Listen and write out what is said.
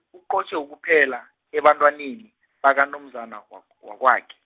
uqotjhe wokuphela, ebantwaneni, bakonomzana, wak- wakwakhe.